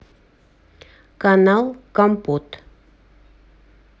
канал компот